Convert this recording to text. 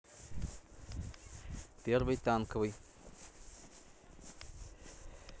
первый танковый